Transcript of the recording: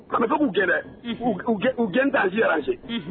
Atigiw g u gɛn' sirase